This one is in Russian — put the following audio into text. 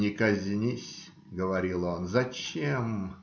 "Не казнись, - говорил он: - зачем?